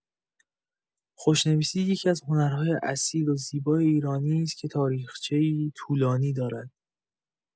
خوشنویسی یکی‌از هنرهای اصیل و زیبای ایرانی است که تاریخچه‌ای طولانی دارد.